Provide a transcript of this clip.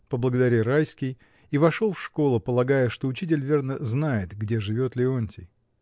— поблагодарил Райский и вошел в школу, полагая, что учитель, верно, знает, где живет Леонтий.